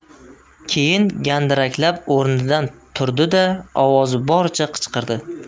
keyin gandiraklab o'rnidan turdi da ovozi boricha qichqirdi